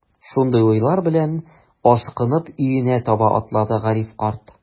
Шундый уйлар белән, ашкынып өенә таба атлады Гариф карт.